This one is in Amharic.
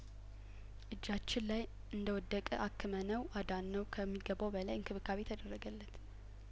እጃችን ላይ እንደ ወደቀ አከም ነው አዳን ነው ከሚገባው በላይ እንክብካቤ ተደረገለት